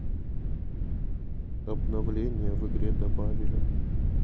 обновление в игре добавили